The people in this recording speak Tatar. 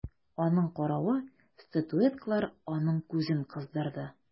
Аның каравы статуэткалар аның күзен кыздырды.